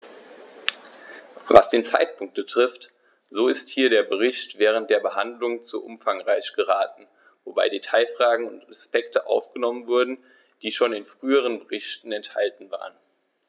Was den Zeitpunkt betrifft, so ist hier der Bericht während der Behandlung zu umfangreich geraten, wobei Detailfragen und Aspekte aufgenommen wurden, die schon in früheren Berichten enthalten waren.